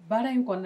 Baara in kɔni na